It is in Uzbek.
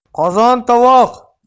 qozon tovoq